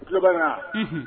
Tuloba wa